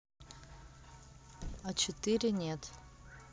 а четыре нет